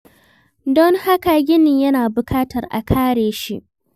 Don haka, ginin yana buƙatar a kare shi.